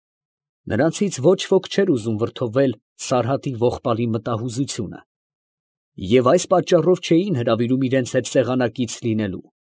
Նրանցից ոչ ոք չէր ուզում վրդովել Սարհատի ողբալի մտահուզությունը, և այս պատճառով չէին հրավիրում իրանց հետ սեղանակից լինելու։